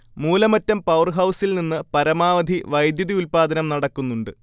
മൂലമറ്റം പവർഹൗസിൽ നിന്നു പരമാവധി വൈദ്യുതി ഉൽപാദനം നടക്കുന്നുണ്ട്